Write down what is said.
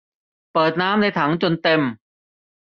เปิดน้ำในถังจนเต็ม